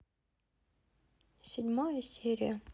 седьмая серия